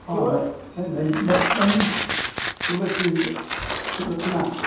O me- me- mae'n... mae'n rhywbeth sy'n tshilo ti mas.